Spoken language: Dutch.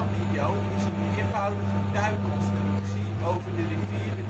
Millau) is een meervoudige tuiconstructie over de rivier de